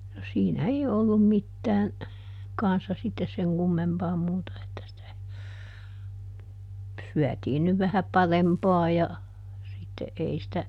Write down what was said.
no siinä ei ollut mitään kanssa sitten sen kummempaa muuta että sitä syötiin nyt vähän parempaa ja sitten ei sitä